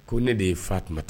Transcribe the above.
Ko ne de ye fatumata